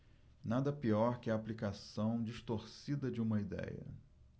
nada pior que a aplicação distorcida de uma idéia